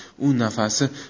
u nafasi